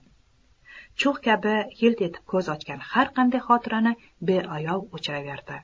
cho'g' kabi yilt etib ko'z ochgan har qanday xotirani beayov o'chiraverdi